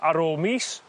ar ôl mis